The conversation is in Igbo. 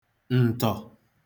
ǹtọ̀